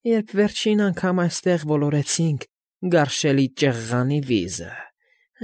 Երբ վերջին անգամ այս֊ս֊ստեղ ոլորեցինք գարշելի ճղղանի վիզը։